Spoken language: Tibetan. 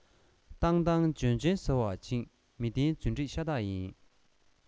བཏང བཏང འཇོན འཇོན ཟེར བ བྱིངས མི བདེན རྫུན སྒྲིག ཤ སྟག ཡིན